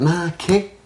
Naci.